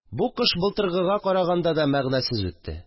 Бу кыш былтыргыга караганда да мәгънәсез үтте